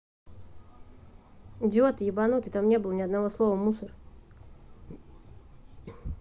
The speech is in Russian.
идиот ты ебанутый там не было ни одного слова мусор